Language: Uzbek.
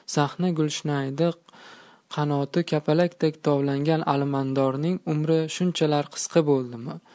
sahna gulshanida qanoti kapalakdek tovlangan alimardonning umri shunchalar qisqa boldimi